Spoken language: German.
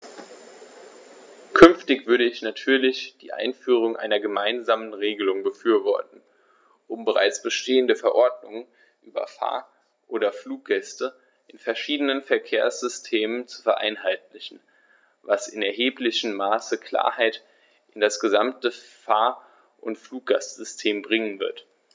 Künftig würde ich natürlich die Einführung einer gemeinsamen Regelung befürworten, um bereits bestehende Verordnungen über Fahr- oder Fluggäste in verschiedenen Verkehrssystemen zu vereinheitlichen, was in erheblichem Maße Klarheit in das gesamte Fahr- oder Fluggastsystem bringen wird.